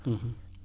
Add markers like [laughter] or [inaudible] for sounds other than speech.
[hesitation] [hesitation]